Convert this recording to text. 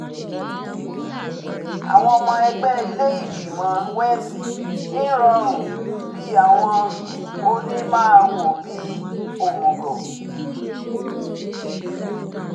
Àwọn ϙmϙ ẹgbẹ́ ilé ìgbìmọ̀ Welsh ń rọ́rùn bí àwọn ‘ò ní máa wo bíi òmὺgọ̀’